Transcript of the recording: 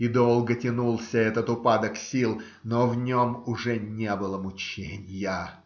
И долго тянулся этот упадок сил, но в нем уже не было мученья.